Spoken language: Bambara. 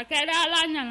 A hɛrɛ ala na